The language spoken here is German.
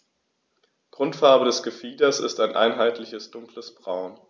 Grundfarbe des Gefieders ist ein einheitliches dunkles Braun.